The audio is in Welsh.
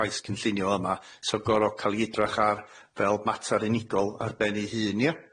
y cais cynllunio yma so goro cal i edrych ar fel mater unigol ar ben ei hun ia?